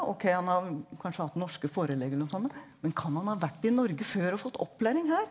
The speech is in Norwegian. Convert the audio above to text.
ok han har kanskje hatt norske forelegg eller sånn, men kan han ha vært i Norge før og fått opplæring her?